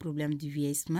Problème de vieillissement